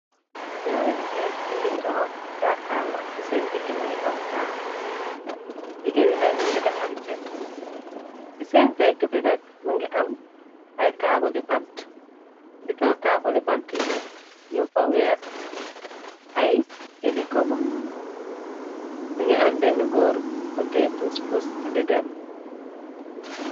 Ñaarijigéen ñi ngi toop gaakallo, ci seen diggi më ngi am paa, jigéeni nag ñi ngi defar jet ci seen pegg, bi nag më ngi am ay taabuli bant, ci kaw taabuli bant yi nak, ñum fa weer ay jeni kobo, më ngi am benn góor buteeposbus di dem.